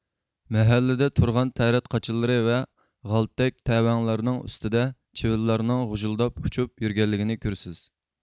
مەھەللىدە تۇرغان تەرەت قاچىلىرى ۋە غالتەك تەۋەڭلەرنىڭ ئۈستىدە چىۋىنلارنىڭ غۇژۇلداپ ئۇچۇپ يۈرگەنلىكىنى كۆرىسىز